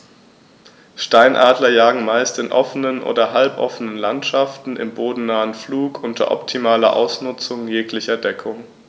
Steinadler jagen meist in offenen oder halboffenen Landschaften im bodennahen Flug unter optimaler Ausnutzung jeglicher Deckung.